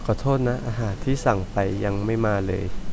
ขอโทษนะอาหารที่สั่งไปยังไม่มาเลย